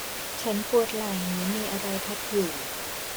ฉันปวดไหล่เหมือนมีอะไรทับอยู่